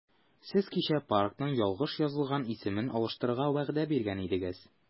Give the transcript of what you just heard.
Сез кичә паркның ялгыш язылган исемен алыштырырга вәгъдә биргән идегез.